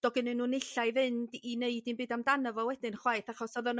do'dd gyno n'w nunlla' i fynd i neud i'm byd amdano fo wedyn chwaith achos o'ddan n'w